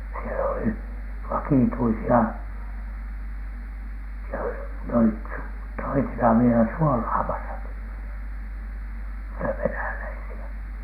siellä oli vakituisia siellä oli ne olivat - toisinaan vielä suolaamassakin se venäläisiä